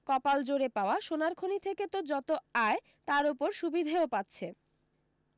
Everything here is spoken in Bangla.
কপালজোরে পাওয়া সোনার খনি থেকে তো যত আয় তার ওপর সুবিধেও পাচ্ছে